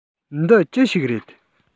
འདི ཅི ཞིག རེད